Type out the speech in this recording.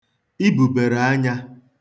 ibùbèrè anyā